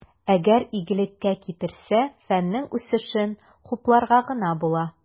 Әгәр игелеккә китерсә, фәннең үсешен хупларга гына була.